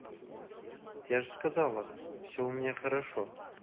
я же сказала все у меня хорошо